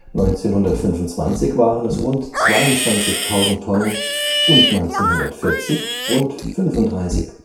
1925 waren es rund 22.000 Tonnen und 1940 rund 35.000